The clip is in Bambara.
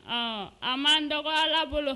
Ɔ a man dɔgɔ la bolo